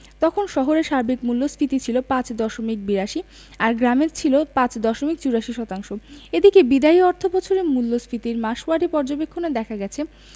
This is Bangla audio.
তখন শহরে সার্বিক মূল্যস্ফীতি ছিল ৫ দশমিক ৮২ আর গ্রামে ছিল ৫ দশমিক ৮৪ শতাংশ এদিকে বিদায়ী অর্থবছরের মূল্যস্ফীতির মাসওয়ারি পর্যবেক্ষণে দেখা গেছে